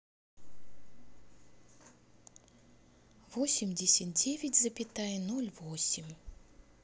восемьдесят девять запятая ноль восемь